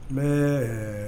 Nba